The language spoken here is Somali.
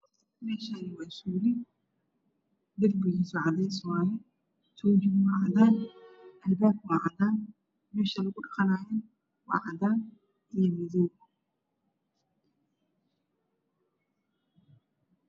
Meshan waa suuli derbigisu cadeswaye tunjiga cadan ilbaabkawaacadan mesha lagudhaqanayo waacadan iyo madow